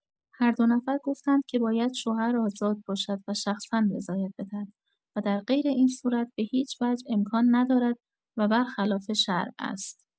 هر دو نفر گفتند که باید شوهر آزاد باشد و شخصا رضایت بدهد و در غیر این صورت به‌هیچ‌وجه امکان ندارد و برخلاف شرع است.